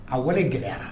A wale gɛlɛyayara